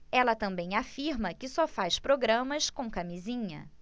ela também afirma que só faz programas com camisinha